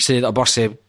sydd o bosib